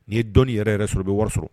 Nin ye dɔni yɛrɛ yɛrɛ sɔrɔ i be wɔri sɔrɔ